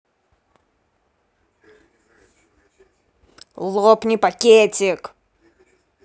лопни пакетик